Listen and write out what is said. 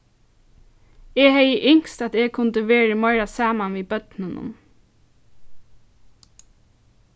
eg hevði ynskt at eg kundi verið meira saman við børnunum